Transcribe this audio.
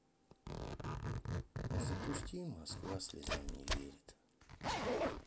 запусти москва слезам не верит